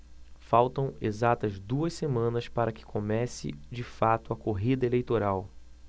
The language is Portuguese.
faltam exatas duas semanas para que comece de fato a corrida eleitoral